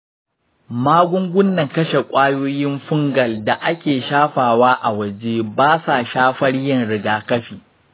eh, magungunan kashe ƙwayoyin fungal da ake shafawa a waje ba sa shafar yin rigakafi.